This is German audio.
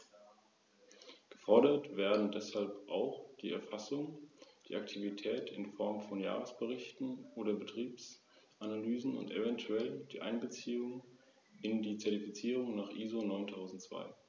Mit den dazu in einer anderen Richtlinie, verankerten Normen sollten Menschen verantwortungsbewusst über die Beförderung gefährlicher Güter beraten werden können.